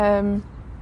Yym.